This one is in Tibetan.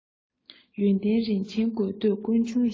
ཡོན ཏན རིན ཆེན དགོས འདོད ཀུན འབྱུང རེད